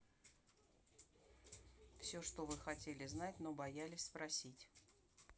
все что вы хотели знать но боялись спросить